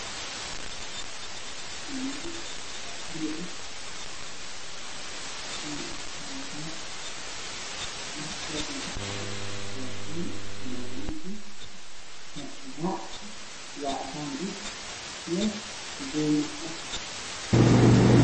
Waa wiilal ciyaaray banooni ga waxay wataan fanaanad cagaar buu ma cadda dhulku waa cagaar